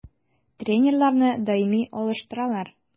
Тренерларны даими алыштыралар.